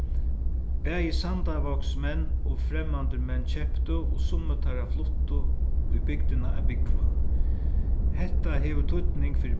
bæði sandavágsmenn og fremmandir menn keyptu og summir teirra fluttu í bygdina at búgva hetta hevur týdning fyri